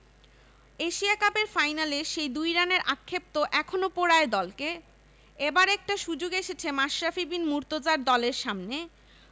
Asia কাপের ফাইনালের সেই ২ রানের আক্ষেপ তো এখনো পোড়ায় দলকে এবার একটা সুযোগ এসেছে মাশরাফি বিন মুর্তজার দলের সামনে